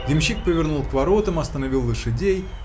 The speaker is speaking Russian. Ямщик повернул к воротам, остановил лошадей